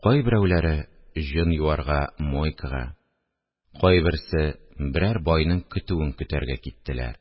Кайберәүләре җон юарга мойкага, кайберсе берәр байның көтүен көтәргә киттеләр